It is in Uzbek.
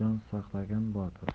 jon saqlagan botir